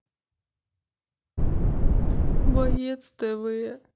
боец тв